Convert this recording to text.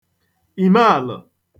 ìmèalụ̀